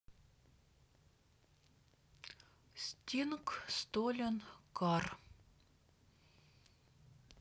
стинг столен кар